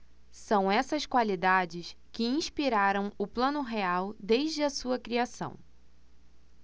são essas qualidades que inspiraram o plano real desde a sua criação